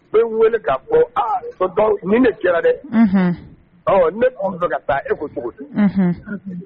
U be n wele ka fɔ a tonton ni ne kɛra dɛ. Ne tun ba fɛ ka taa e ko cogo di?